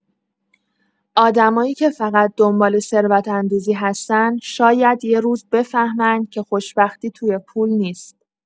آدمایی که فقط دنبال ثروت‌اندوزی هستن، شاید یه روز بفهمن که خوشبختی توی پول نیست.